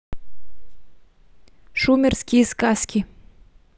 шумерские сказки